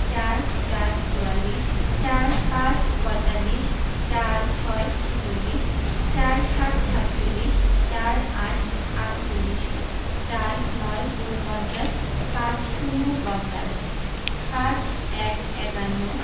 ৪৪ – চুয়াল্লিশ ৪৫ - পঁয়তাল্লিশ ৪৬ - ছেচল্লিশ ৪৭ - সাতচল্লিশ ৪৮ -আটচল্লিশ ৪৯ – উনপঞ্চাশ ৫০ - পঞ্চাশ ৫১ – একান্ন